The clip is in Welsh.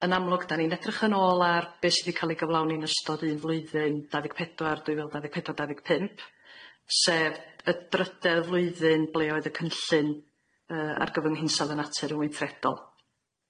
Yn amlwg dan ni'n edrych yn ôl ar be sydd wedi ca'l ei gyflawn ni yn ystod un flwyddyn dau ddeg pedwar dwy fil dau ddeg pedwar dau ddeg pump sef y drydedd y flwyddyn ble oedd y cynllun yy ar gyfyng hinsawdd y natur yn weithredol.